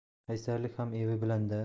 qaysarlik ham evi bilan da